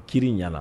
Kiri ɲana